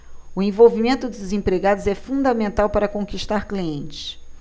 o envolvimento dos empregados é fundamental para conquistar clientes